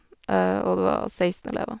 Og det var seksten elever.